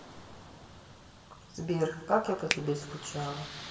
сбер как я по тебе скучала